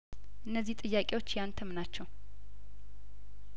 እነዚህ ጥያቄዎች የአንተም ናቸው